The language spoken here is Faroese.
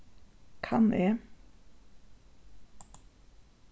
kann eg